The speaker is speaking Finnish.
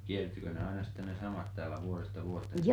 kiersikö ne aina sitten ne samat täällä vuodesta vuoteen